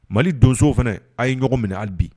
Mali donso fana a ye mɔgɔ minɛ a bi